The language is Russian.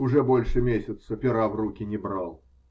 Уж больше месяца пера в руки не брал.